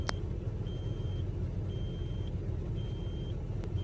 какие песни